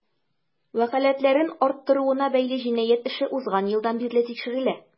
Вәкаләтләрен арттыруына бәйле җинаять эше узган елдан бирле тикшерелә.